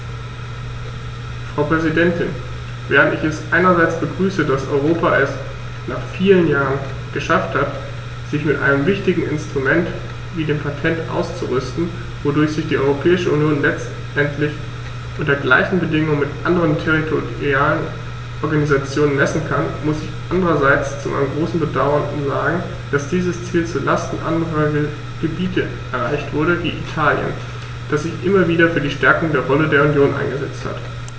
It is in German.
Frau Präsidentin, während ich es einerseits begrüße, dass Europa es - nach vielen Jahren - geschafft hat, sich mit einem wichtigen Instrument wie dem Patent auszurüsten, wodurch sich die Europäische Union letztendlich unter gleichen Bedingungen mit anderen territorialen Organisationen messen kann, muss ich andererseits zu meinem großen Bedauern sagen, dass dieses Ziel zu Lasten anderer Gebiete erreicht wurde, wie Italien, das sich immer wieder für die Stärkung der Rolle der Union eingesetzt hat.